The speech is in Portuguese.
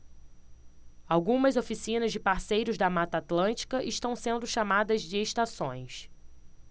algumas oficinas de parceiros da mata atlântica estão sendo chamadas de estações